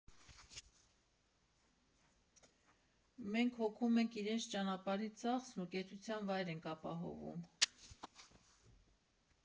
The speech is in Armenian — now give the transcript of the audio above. Մենք հոգում ենք իրենց ճանապարհի ծախսն ու կեցության վայր ենք ապահովում։